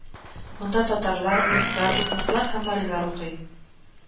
Монда татарлар, урыслар, удмуртлар һәм марилар укый